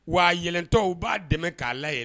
Wa a yɛlɛ tɔ u ba dɛmɛ ka la kɛlɛ